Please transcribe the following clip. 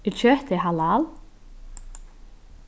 er kjøtið halal